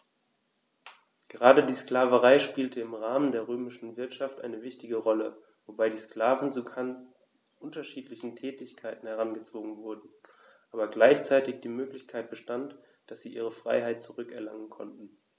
Gerade die Sklaverei spielte im Rahmen der römischen Wirtschaft eine wichtige Rolle, wobei die Sklaven zu ganz unterschiedlichen Tätigkeiten herangezogen wurden, aber gleichzeitig die Möglichkeit bestand, dass sie ihre Freiheit zurück erlangen konnten.